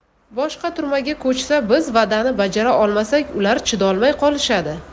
boshqa turmaga ko'chsa biz va'dani bajara olmasak ular chidolmay qolishadi